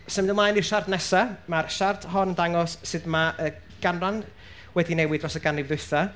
Symud ymlaen i'r siart nesa. Ma'r siart hon yn dangos sut ma' y ganran wedi newid dros y ganrif ddwytha.